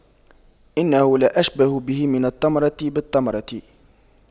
إنه لأشبه به من التمرة بالتمرة